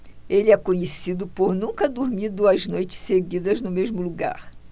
ele é conhecido por nunca dormir duas noites seguidas no mesmo lugar